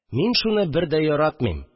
Мин шуны бер дә яратмыйм.